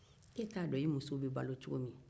e t'a dɔn e muso bɛ balo cogomi